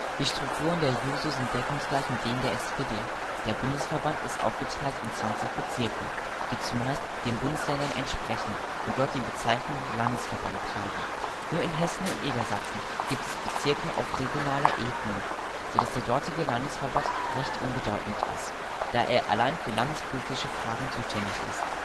Die Strukturen der Jusos sind deckungsgleich mit denen der SPD. Der Bundesverband ist aufgeteilt in 20 Bezirke, die zumeist den Bundesländern entsprechen und dort die Bezeichnung " Landesverband " tragen. Nur in Hessen und Niedersachsen gibt es Bezirke auf regionaler Ebene, so dass der dortige Landesverband recht unbedeutend ist, da er allein für landespolititische Fragen zuständig ist